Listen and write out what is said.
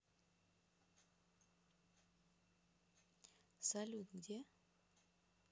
салют где